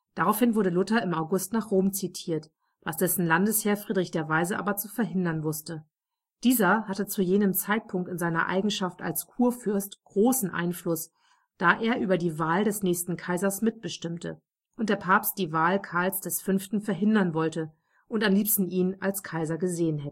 Daraufhin wurde Luther im August nach Rom zitiert, was dessen Landesherr Friedrich der Weise aber zu verhindern wusste. Dieser hatte zu jenem Zeitpunkt in seiner Eigenschaft als Kurfürst großen Einfluss, da er über die Wahl des nächsten Kaisers mitbestimmte und der Papst die Wahl Karls V. verhindern wollte und am liebsten ihn als Kaiser gesehen